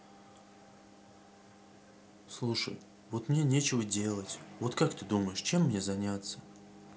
слушай вот мне нечего делать вот как ты думаешь чем мне заняться